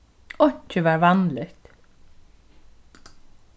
einki var vanligt